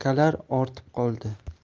gaykalar ortib qoldi